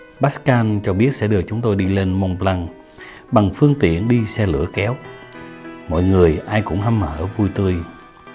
bát can cho biết sẽ đưa chúng tôi đi lên mông lăng bằng phương tiện đi xe lửa kéo mọi người ai cũng hăm hở vui tươi